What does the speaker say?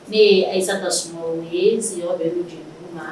Ne ye Aissata Soumaoro ye n sigiyɔrɔ bɛnnen do Djelibougou ma